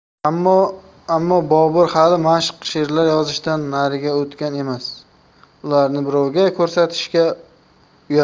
ammo bobur hali mashq sherlar yozishdan nariga o'tgan emas ularni birovga ko'rsatishga uyaladi